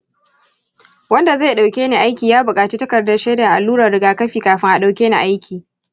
wanda zai ɗauke ni aiki ya bukaci takardar shaidar allurar rigakafi kafin a dauke ni aiki.